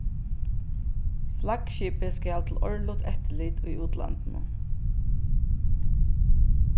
flaggskipið skal til árligt eftirlit í útlandinum